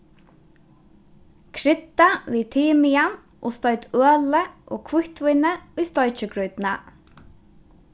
krydda við timian og stoyt ølið og hvítvínið í steikigrýtuna